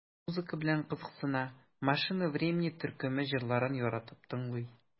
Музыка белән кызыксына, "Машина времени" төркеме җырларын яратып тыңлый.